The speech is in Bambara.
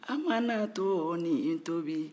a mana tonin tobi